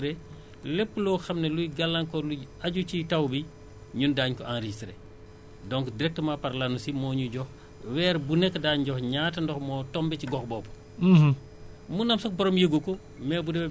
bu ñu dugalee foofu parcelle bi dañ koy enregistrer lépp loo xam ne luy gàllankoor lu aju ci taw bi ñun daañu ko enregistrer donc directement par l' ANACIM moo ñuy jox weer bu nekk daañu jox ñaata ndox moo tombé ci gox boobu